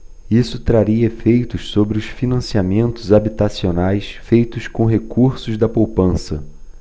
isso traria efeitos sobre os financiamentos habitacionais feitos com recursos da poupança